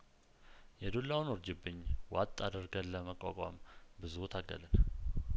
የዱላውን ውርጅብኝ ዋጥ አድርገን ለመቋቋም ብዙ ታገልን